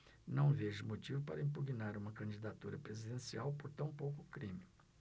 não vejo motivo para impugnar uma candidatura presidencial por tão pouco crime